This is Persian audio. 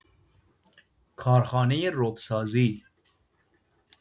کارخانۀ رب‌سازی